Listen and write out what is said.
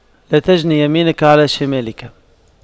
لا تجن يمينك على شمالك